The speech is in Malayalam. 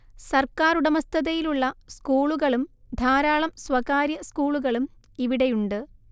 സർക്കാറുടമസ്ഥതയിലുള്ള സ്കൂളുകളും ധാരാളം സ്വകാര്യ സ്കൂളുകളും ഇവിടെയുണ്ട്